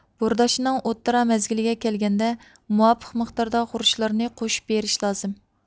بورداشنىڭ ئوتتۇرا مەزگىلىگە كەلگەندە مۇۋاپىق مىقداردا خۇرۇچلارنى قوشۇپ بېرىش لازىم